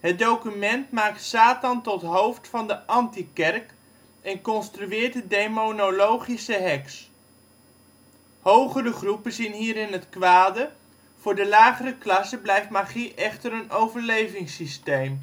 Het document maakt Satan tot hoofd van de antikerk en construeert de demonologische heks. Hogere groepen zien hierin het kwade, voor de lagere klassen blijft magie echter een overlevingssysteem